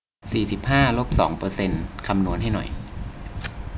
สี่สิบห้าลบสองเปอร์เซนต์คำนวณให้หน่อย